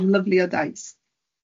Ond lyfli o daith.